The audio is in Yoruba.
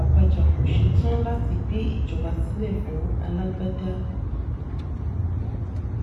Abacha kò ṣetán láti gbé ìjọba sílẹ̀ fún alágbádá.